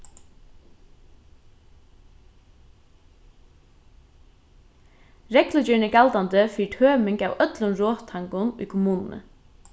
reglugerðin er galdandi fyri tøming av øllum rottangum í kommununi